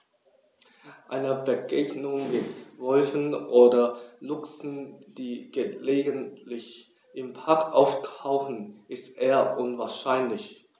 Eine Begegnung mit Wölfen oder Luchsen, die gelegentlich im Park auftauchen, ist eher unwahrscheinlich.